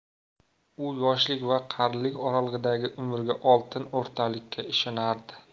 u yoshlik va qarilik oralig'idagi umrga oltin o'rtalikka ishonardi